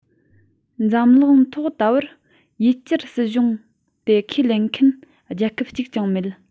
འཛམ གླིང ཐོག ད བར ཡུལ གྱར སྲིད གཞུང དེ ཁས ལེན མཁན རྒྱལ ཁབ གཅིག ཀྱང མེད